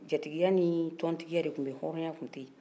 jatigiya ni tontiya de tun bɛ yen hɔrɔnya tun tɛ yen